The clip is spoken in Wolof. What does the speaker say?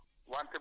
waaw